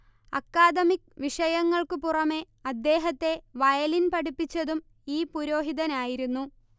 academic വിഷയങ്ങൾക്കു പുറമേ അദ്ദേഹത്തെ വയലിൻ പഠിപ്പിച്ചതും ഈ പുരോഹിതനായിരുന്നു